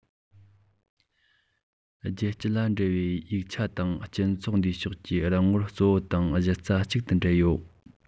རྒྱལ སྤྱི ལ འབྲེལ བའི ཡིག ཆ དང སྤྱི ཚོགས འདིའི ཕྱོགས ཀྱི རང ངོར གཙོ བོ དང གཞི རྩ གཅིག ཏུ འབྲེལ ཡོད